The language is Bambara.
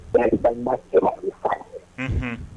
unhun